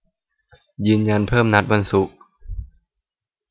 ยืนยันเพิ่มนัดวันศุกร์